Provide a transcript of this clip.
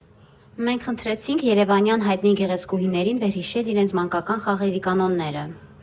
Մենք խնդրեցինք երևանյան հայտնի գեղեցկուհիներին վերհիշել իրենց մանկական խաղերի կանոնները։